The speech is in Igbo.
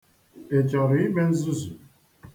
Ị chọrọ ime nzuzu?